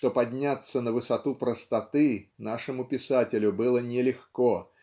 что подняться на высоту простоты нашему писателю было нелегко